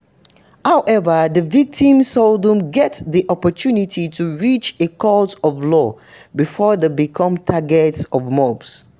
However, the victims seldom get the opportunity to reach a court of law before they become targets of mobs.